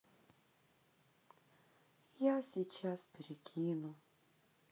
я сейчас перекину